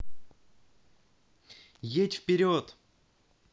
еть вперед